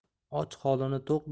och holini to'q